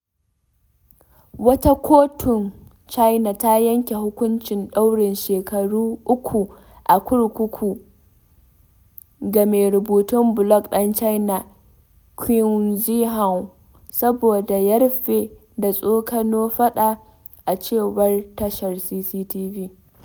Wata kotun China ta yanke hukuncin ɗaurin shekaru uku a kurkuku ga mai rubutun blog ɗan China, Qin Zhihui, saboda “yarfe” da “tsokano faɗa,” a cewar tashar CCTV.